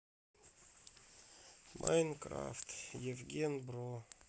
майнкрафт евген бро